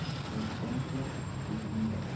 to'qsonta tuguni bor